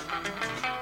Nse